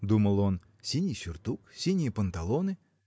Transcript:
– думал он, – синий сюртук, синие панталоны.